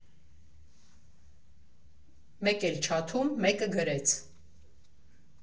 Մեկ էլ չաթում մեկը գրեց.